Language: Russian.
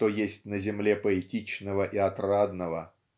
что есть на земле поэтичного и отрадного.